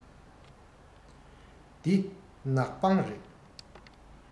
འདི ནག པང རེད